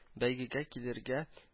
Бәйгегә килергә